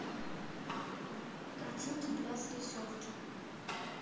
картинки для срисовки